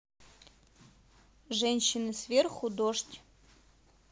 женщины сверху дождь